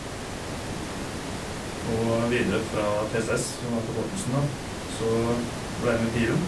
Og videre fra TSS, som er forkortelsen, da, så ble jeg med i Pirum.